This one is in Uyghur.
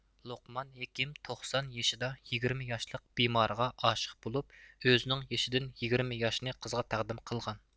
لوقمان ھېكىم توقسان يېشىدا يىگىرمە ياشلىق بىمارىغا ئاشىق بولۇپ ئۆزنىڭ يېشىدىن يىگىرمە ياشنى قىزغا تەقدىم قىلغان